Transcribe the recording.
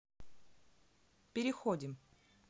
переходим